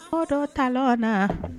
O don ta na